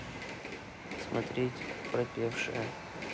смотреть пропавшая